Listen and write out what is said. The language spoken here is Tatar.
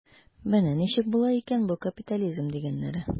Менә ничек була икән бу капитализм дигәннәре.